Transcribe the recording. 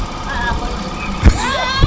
xa a koy